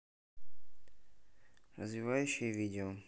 развивающее видео